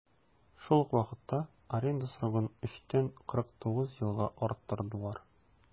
Шул ук вакытта аренда срогын 3 тән 49 елга арттырдылар.